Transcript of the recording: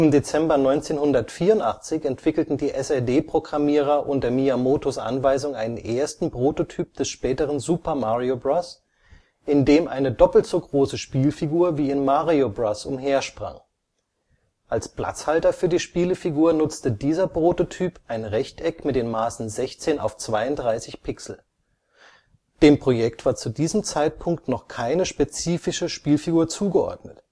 Dezember 1984 entwickelten die SRD-Programmierer unter Miyamotos Anweisung einen ersten Prototyp des späteren Super Mario Bros., in dem eine doppelt so große Spielfigur wie in Mario Bros. umhersprang. Als Platzhalter für die Spielfigur nutzte dieser Prototyp ein Rechteck mit den Maßen 16 x 32 Pixel. Dem Projekt war zu diesem Zeitpunkt noch keine spezifische Spielfigur zugeordnet